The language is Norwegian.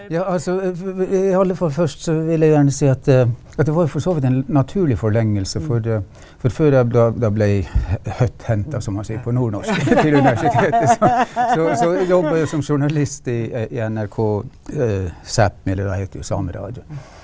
ja altså i alle fall først så vil jeg gjerne si at at det var for så vidt en naturlig forlengelse for for før jeg da da blei headhuntet som man sier på nordnorsk til universitetet så så jobba jeg som journalist i i NRK Sapmi eller det hette jo sameradioen.